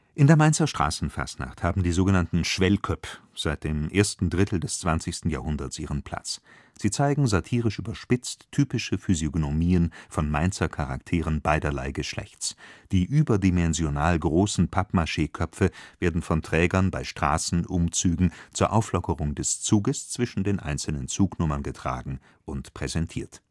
In der Mainzer Straßenfastnacht haben die sogenannten „ Schwellköpp “seit dem ersten Drittel des 20. Jahrhunderts ihren Platz. Sie zeigen, satirisch überspitzt, typische Physiognomien von Mainzer Charakteren beiderlei Geschlechtes. Die überdimensional großen Pappmachéköpfe werden von Trägern bei Straßenumzügen zur Auflockerung des Zuges zwischen den einzelnen Zugnummern getragen und präsentiert